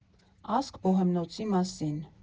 Ասք Բոհեմնոցի մասին։